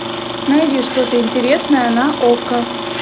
найди что то интересное на окко